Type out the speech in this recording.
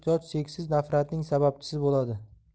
ehtiyoj cheksiz nafratning sababchisi bo'ladi